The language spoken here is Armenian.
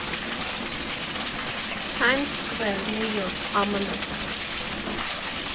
Թայմս Սքվեր, Նյու Յորք, ԱՄՆ։